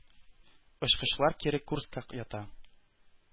Очкычлар кире курска ята.